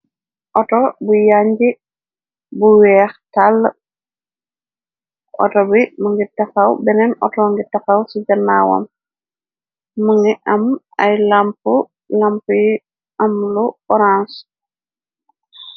Auto bu yàñj bu weex tàll auto bi më ngi tefaw beneen auto ngi tefaw ci gannaawam mëngi am ay lamp lamp yi am lu orange.